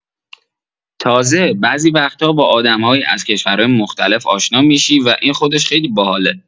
تازه، بعضی وقت‌ها با آدم‌هایی از کشورهای مختلف آشنا می‌شی و این خودش خیلی باحاله.